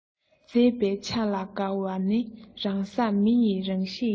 མཛེས པའི ཆ ལ དགའ བ ནི གང ཟག མི ཡི རང གཤིས ཡིན